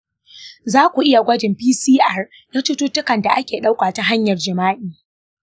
za ku yi gwajin pcr na cututtukan da ake ɗauka ta hanyar jima'i.